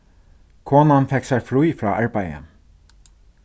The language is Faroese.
konan fekk sær frí frá arbeiði